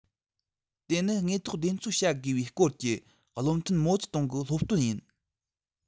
དེ ནི དངོས ཐོག བདེན འཚོལ བྱ དགོས པའི སྐོར གྱི བློ མཐུན མའོ ཙེ ཏུང གི སློབ སྟོན ཡིན